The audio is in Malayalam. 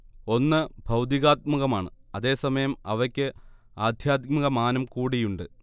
ഒന്ന് ഭൌതികാത്മികമാണ്, അതേസമയം, അവയ്ക്ക് ആധ്യാത്മികമാനം കൂടിയുണ്ട്